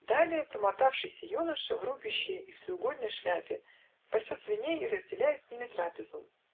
Далее, промотавшийся юноша, в рубище и в треугольной шляпе, пасет свиней и разделяет с ними трапезу